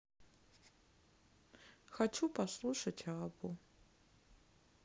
хочу послушать аббу